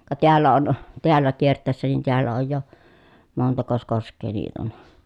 ka täällä on täällä kiertäessä niin täällä on jo montakos koskea niitä on